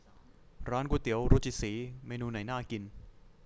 ร้านก๋วยเตี๋ยวรุจิศรีเมนูไหนน่ากิน